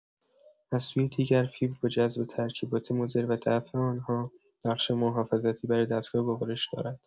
از سوی دیگر فیبر با جذب ترکیبات مضر و دفع آنها، نقش محافظتی برای دستگاه گوارش دارد.